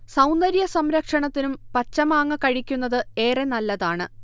സൗന്ദര്യ സംരക്ഷണത്തിനും പച്ചമാങ്ങ കഴിക്കുന്നത് ഏറെ നല്ലതാണ്